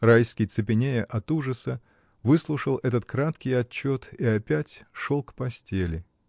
Райский, цепенея от ужаса, выслушал этот краткий отчет и опять шел к постели.